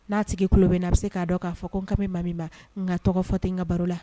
N'a tigi tulo bɛ n na, a bɛ se k'a dɔn k'a fɔ ko n kan bɛ maa min ma nka tɔgɔ fɔ tɛ n ka baro la.